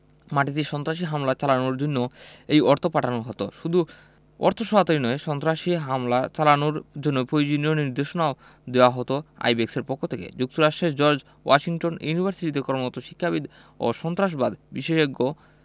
মাটিতে সন্ত্রাসী হামলা চালানোর জন্য এই অর্থ পাঠানো হতো শুধু অর্থসহায়তাই নয় সন্ত্রাসী হামলা চালানোর জন্য প্রয়োজনীয় নির্দেশনাও দেওয়া হতো আইব্যাকসের পক্ষ থেকে যুক্তরাষ্ট্রের জর্জ ওয়াশিংটন ইউনিভার্সিটিতে কর্মরত শিক্ষাবিদ ও সন্ত্রাসবাদ বিশেষজ্ঞ